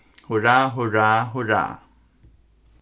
hurrá hurrá hurrá